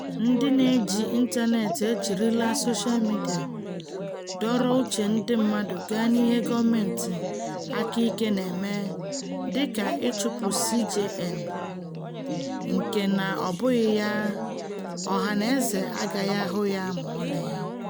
Ndị na-eji ịntaneetị ejirila soshaa midịa dọrọ uche ndị mmadụ gaa n'ihe gọọmentị aka ike na-eme dịka ịchụpụ CJN, nke na ma ọ bụghị ya, ọha na eze agaghị ahụ ya ma ọlị.